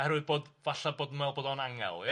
oherwydd bod falle bod nw'n meddwl bod o'n angel, ia?